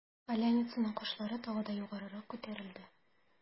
Поляницаның кашлары тагы да югарырак күтәрелде.